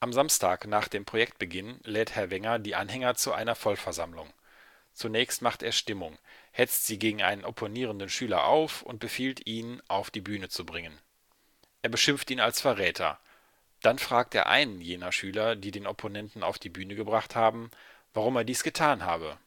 Samstag nach dem Projektbeginn lädt Herr Wenger die Anhänger zu einer Vollversammlung. Zunächst macht er Stimmung, hetzt sie gegen einen opponierenden Schüler auf und befiehlt, ihn auf die Bühne zu bringen. Er beschimpft ihn als Verräter. Dann fragt er einen jener Schüler, die den Opponenten auf die Bühne gebracht haben, warum er dies getan habe